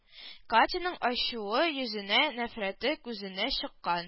Катяның ачуы йөзенә нәфрәте күзенә чыккан